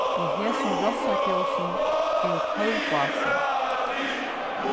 í hesum rossafjósinum eru tólv básar